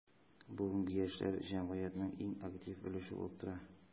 Бүгенге яшьләр – җәмгыятьнең иң актив өлеше булып тора.